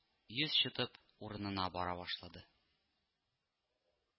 Йөз чытып, урынына бара башлады